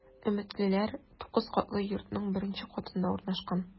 “өметлеләр” 9 катлы йортның беренче катында урнашкан.